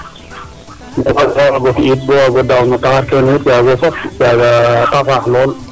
ne waaguma fi'it bo waag o daaw no taxar keene yaaga ta faax lool.